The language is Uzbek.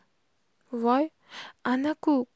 voy ana ku